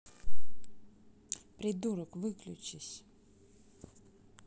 придурок выключись